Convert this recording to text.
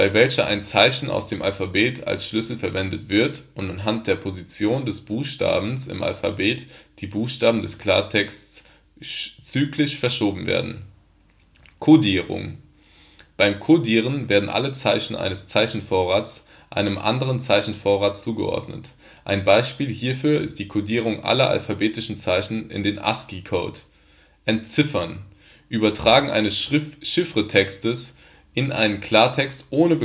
welcher ein Zeichen aus dem Alphabet als Schlüssel verwendet wird und anhand der Position des Buchstabens im Alphabet die Buchstaben des Klartextes zyklisch verschoben werden. Codierung: Beim Codieren werden alle Zeichen eines Zeichenvorrats einem anderen Zeichenvorrat zugeordnet. Ein Beispiel hierfür ist die Codierung aller alphabetischen Zeichen in den ASCII-Code. Entziffern: Übertragen eines Chiffretextes in einen Klartext ohne